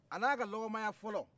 a n'a ka lɔgɔma ɲɛ fɔlɔ